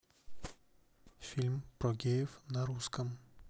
фильм про геев на русском